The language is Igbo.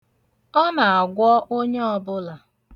Ọ na-agwọ onye ọbụla.